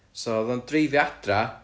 So o'dd o'n dreifio adra